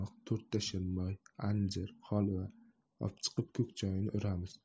to'rtta shirmoy anjir xolva obchiqib ko'k choyni uramiz